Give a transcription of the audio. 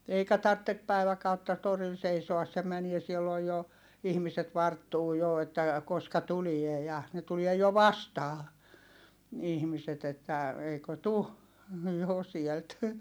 eikä tarvitse päiväkautta torilla seisoa se menee silloin jo ihmiset varttuu jo että koska tulee ja ne tulee jo vastaan ihmiset että eikö tule jo sieltä